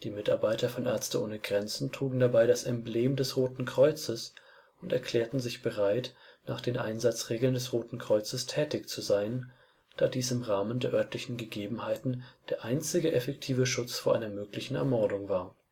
Mitarbeiter von Ärzte ohne Grenzen trugen dabei das Emblem des Roten Kreuzes und erklärten sich bereit, nach den Einsatzregeln des Roten Kreuzes tätig zu sein, da dies im Rahmen der örtlichen Gegebenheiten der einzige effektive Schutz vor einer möglichen Ermordung war